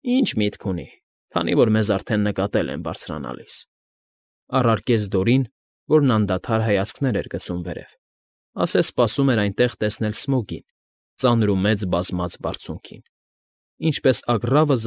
Ինչ միտք ունի, քանի որ մեզ արդեն նկատել են բարձրանալիս,֊ առարկեց Դորին, որն անդադար հայացքներ էր գցում վերև, ասես սպասում էր այնտեղ տեսնել Սմոգին՝ ծանրումեծ բազմած բարձունքին, ինչպես ագռավը։